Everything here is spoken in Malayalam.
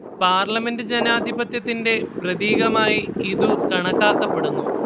പാർലമെന്റ് ജനാധിപത്യത്തിന്റെ പ്രതീകമായി ഇതു കണക്കാക്കപ്പെടുന്നു